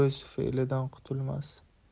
o'z fe'lidan qutulmas